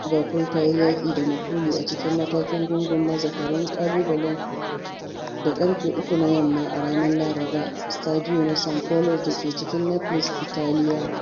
Liverpool ta yi yaki da Napoli a cikin matakin gungu na Zakarun Kalubalen da karfe 3 na yamma a ranar Laraba a Stadio San Paolo da ke cikin Naples, Italiya.